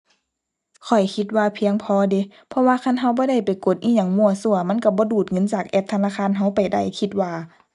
ข้อยคิดว่าเพียงพอเดะ เพราะว่าคันเราบ่ได้ไปกดอิหยังมั่วซั่วมันเราบ่ดูดเงินจากแอปธนาคารเราไปได้ คิดว่า